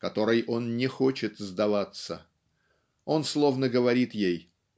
которой он не хочет сдаваться. Он словно говорит ей